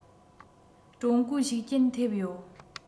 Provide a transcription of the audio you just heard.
ཀྲུང གོའི ཤུགས རྐྱེན ཐེབས ཡོད